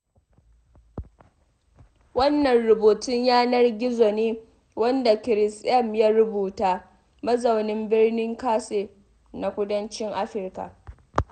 Wannan rubutun yanar gizo ne wadda Chris M ya rubuta, mazaunin birnin Case na kudancin Afrika